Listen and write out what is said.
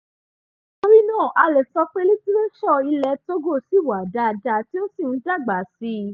Torí náà a lè sọ pé litiréṣọ̀ ilẹ̀ Togo sì wà dáadáa tí ó sì ń dàgbà síi.